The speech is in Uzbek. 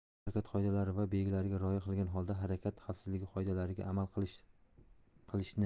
yo'l harakati qoidalari va belgilariga rioya qilgan holda harakat xavfsizligi qoidlalariga amal qilishni